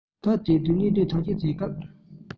སྐབས དེ དུས གནད དོན ཐག གཅོད བྱེད སྐབས